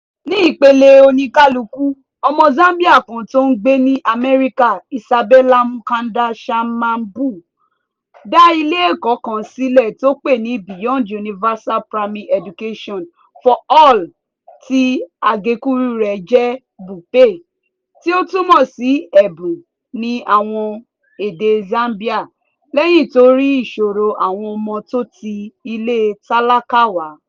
Ní ipele òníkálùkù, ọmọ Zambia kan tó ń gbé ní Amerika, Isabella Mukanda Shamambo, dá ilé ẹ̀kọ́ kan sílẹ̀ tó pè ní Beyond Universal Primary Education for All tí àgékùrú rẹ̀ jẹ́ BUPE (tí ó túmọ̀ sí "ẹ̀bùn" ní àwọn èdè Zambia) lẹ́yìn tó rí ìṣòro àwọn ọmọ tó ti ilé tálákà wá.